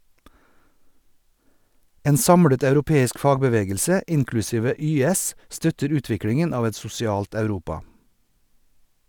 En samlet europeisk fagbevegelse, inklusive YS, støtter utviklingen av et sosialt Europa.